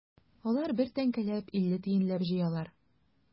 Алар бер тәңкәләп, илле тиенләп җыялар.